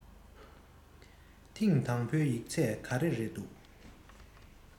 ཐེང དང པོའི ཡིག ཚད ག རེ རེད འདུག